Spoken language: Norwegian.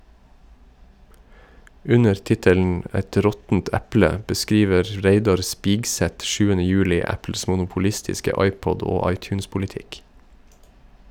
Under tittelen "Et råttent eple" beskriver Reidar Spigseth 7. juli Apples monopolistiske iPod- og iTunes-politikk.